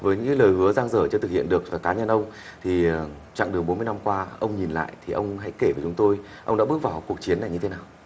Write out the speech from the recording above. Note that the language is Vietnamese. với những lời hứa dang dở chưa thực hiện được và cá nhân ông thì chặng đường bốn mươi năm qua ông nhìn lại thì ông hãy kể với chúng tôi ông đã bước vào cuộc chiến này như thế nào